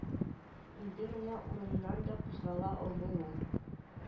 Инде менә урыныннан да кузгала алмый ул